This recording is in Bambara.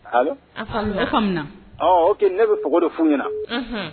Hali ne ne bɛ foro de f ɲɛna